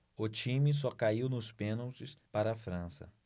o time só caiu nos pênaltis para a frança